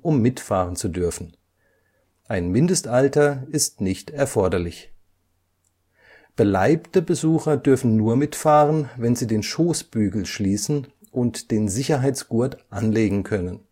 mitfahren zu dürfen; ein Mindestalter ist nicht erforderlich. Beleibte Besucher dürfen nur mitfahren, wenn sie den Schoßbügel schließen und den Sicherheitsgurt anlegen können